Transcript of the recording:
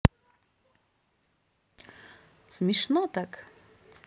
смешно так